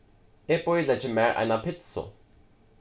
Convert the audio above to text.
eg bíleggi mær eina pitsu